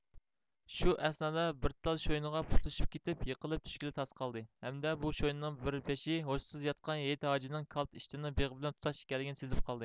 شۇ ئەسنادا بىر تال شوينىغا پۇتلىشىپ كېتىپ يېقىلىپ چۈشكىلى تاس قالدى ھەمدە بۇ شوينىنىڭ بىر بېشى ھوشسىز ياتقان ھېيت ھاجىنىڭ كالتە ئىشتىنىنىڭ بېغى بىلەن تۇتاش ئىكەنلىكىنى سېزىپ قالدى